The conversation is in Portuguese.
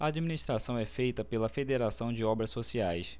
a administração é feita pela fos federação de obras sociais